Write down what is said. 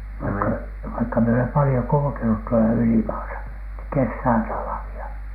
vaikka vaikka minä olen paljon kulkenut tuolla ylimaassa kesää talvia